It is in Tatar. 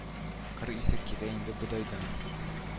Кыр исе килә иде бодайдан